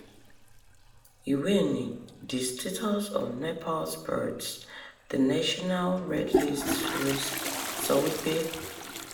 Ìwée nì The Status of Nepal's Birds: The National Red List Series sọ wípé: